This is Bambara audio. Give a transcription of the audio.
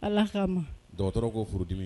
Ala' ma dɔgɔtɔrɔ ko furu dimi ye